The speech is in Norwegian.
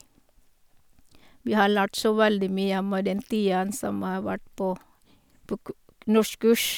Vi har lært så veldig mye med den tiden som har vært på på ku k norskkurs.